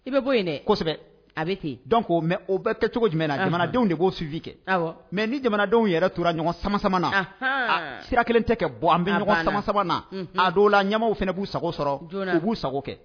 I bɛ bɔ yen dɛsɛbɛ a bɛ kɛ dɔn ko mɛ o bɛɛ kɛ cogo jumɛn na jamanadenw de b' subifin kɛ mɛ ni jamanadenw yɛrɛ tora ɲɔgɔn sama sira kelen tɛ kɛ bɔ an bɛ ɲɔgɔn sama na a dɔw la ɲaw fana b'u sago sɔrɔ u b'u sago kɛ